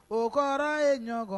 O kɔrɔ ye ɲɔgɔn kɔ